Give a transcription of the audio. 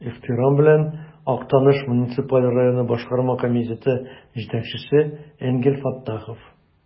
Ихтирам белән, Актаныш муниципаль районы Башкарма комитеты җитәкчесе Энгель Фәттахов.